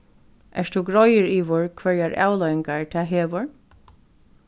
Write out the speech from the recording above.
ert tú greiður yvir hvørjar avleiðingar tað hevur